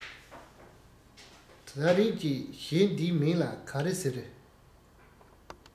ད རེད ཀྱི གཞད འདིའི མིང ལ ག རེ ཟེར